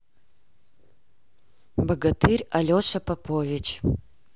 богатырь алеша попович